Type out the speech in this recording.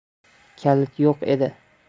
kalit yo'q edi